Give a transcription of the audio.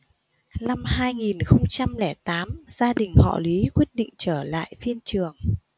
năm hai nghìn không trăm lẻ tám gia đình họ lý quyết định trở lại phim trường